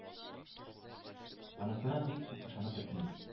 Анысына бик үк ышанып бетмим